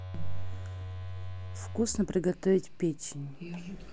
вкусно приготовить печень